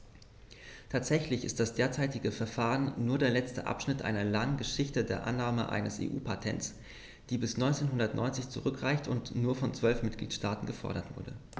Tatsächlich ist das derzeitige Verfahren nur der letzte Abschnitt einer langen Geschichte der Annahme eines EU-Patents, die bis 1990 zurückreicht und nur von zwölf Mitgliedstaaten gefordert wurde.